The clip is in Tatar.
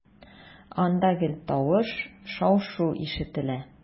Анда гел тавыш, шау-шу ишетелә.